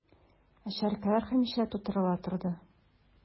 Ә чәркәләр һәмишә тутырыла торды...